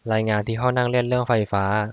รายงานที่ห้องนั่งเล่นเรื่องไฟฟ้า